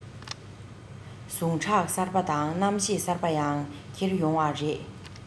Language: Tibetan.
ཟུངས ཁྲག གསར པ དང རྣམ ཤེས གསར པ ཡང ཁྱེར ཡོང བ རེད